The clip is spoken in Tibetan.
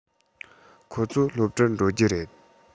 ཁོ ཚོ སློབ གྲྭར འགྲོ རྒྱུ རེད